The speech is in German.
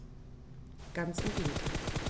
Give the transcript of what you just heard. Ganz im Gegenteil.